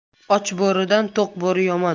och bo'ridan to'q bo'ri yomon